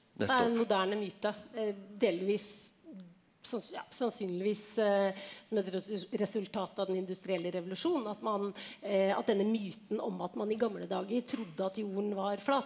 det er en moderne myte delvis ja sannsynligvis som et resultat av den industrielle revolusjonen at man at denne myten om at man i gamle dager trodde at jorden var flat.